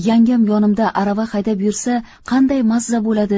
yangam yonimda arava haydab yursa qanday maza bo'ladi